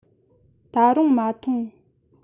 ད རུང མ འཐུངས